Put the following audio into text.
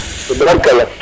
tubarkala